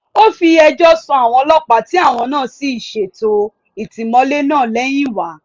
Ó fi ẹjọ́ sùn àwọn ọlọ́pàá tí àwọn náà sí ṣètò ìtìmọ́lé náà lẹ́yìnwá.